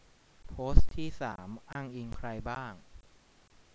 โพสต์ที่สามอ้างอิงใครบ้าง